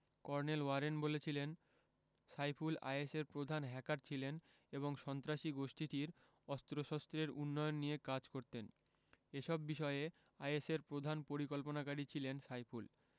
colonel Warren বলেছিলেন সাইফুল আইএসের প্রধান হ্যাকার ছিলেন এবং সন্ত্রাসী গোষ্ঠীটির অস্ত্রশস্ত্রের উন্নয়ন নিয়ে কাজ করতেন এসব বিষয়ে আইএসের প্রধান পরিকল্পনাকারী ছিলেন সাইফুল